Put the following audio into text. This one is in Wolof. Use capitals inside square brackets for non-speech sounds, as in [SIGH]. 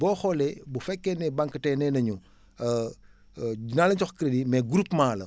boo xoolee bu fekkee ne banque tey nee nañu [HESITATION] dinaa la jox crédit mais groupement la